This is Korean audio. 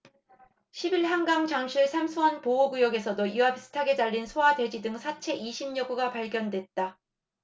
십 일 한강 잠실 상수원 보호구역에서도 이와 비슷하게 잘린 소와 돼지 등 사체 이십 여 구가 발견됐다